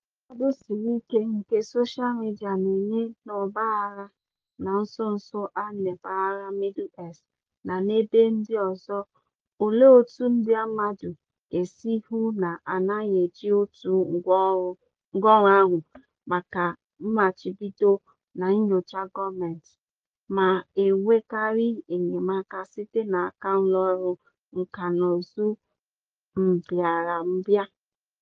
Nyere nkwado siri ike nke soshal midịa na-enye n'ọgbaghara na nso nso a na mpaghara Middle East na n'ebe ndị ọzọ, olee otú ndị mmadụ ga-esi hụ na anaghị eji otu ngwáọrụ ahụ maka mmachibido na nnyocha gọọmentị (ma enwekarị enyemaka site n'aka ụlọọrụ nkànaụzụ Mbịarambịa)?